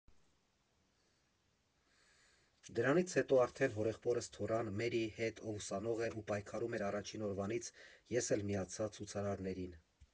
Դրանից հետո արդեն հորեղբորս թոռան՝ Մերիի հետ, ով ուսանող է ու պայքարում էր առաջին օրվանից, ես էլ միացա ցուցարարներին։